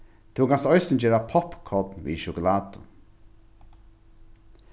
tú kanst eisini gera poppkorn við sjokulátu